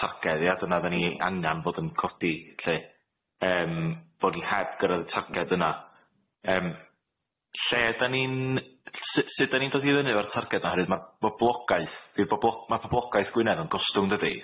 targed ia dyna 'dda ni angan fod yn codi lly yym bod ni heb gyrradd y targed yna yym lle 'da ni'n s- sud 'da ni'n dod i fyny efo'r targed 'na oherwydd ma'r boblogaeth di'r boblo- ma' poblogaeth Gwynedd yn gostwng dydi?